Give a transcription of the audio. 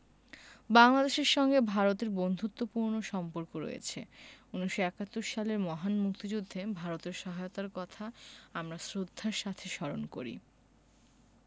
বাংলাদেশের সঙ্গে ভারতের বন্ধুত্তপূর্ণ সম্পর্ক রয়ছে ১৯৭১ সালের মহান মুক্তিযুদ্ধে ভারতের সহায়তার কথা আমরা শ্রদ্ধার সাথে স্মরণ করি